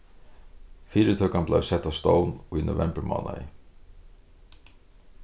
fyritøkan bleiv sett á stovn í novemburmánaði